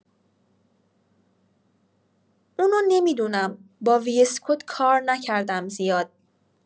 اونو نمی‌دونم با وی اس کد کار نکردم زیاد